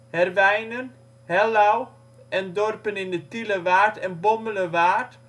Herwijnen, Hellouw en dorpen in de Tielerwaard en Bommelerwaard